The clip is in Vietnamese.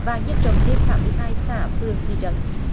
và nhân rộng thêm tám mươi hai xã phường thị trấn